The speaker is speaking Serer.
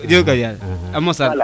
jokonjal aha a mosa